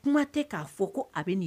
Kuma tɛ k'a fɔ ko a bɛ